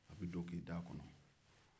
a bɛ don k'i da a kɔnɔ